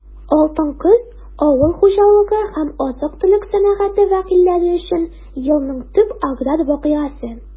«алтын көз» - авыл хуҗалыгы һәм азык-төлек сәнәгате вәкилләре өчен елның төп аграр вакыйгасы.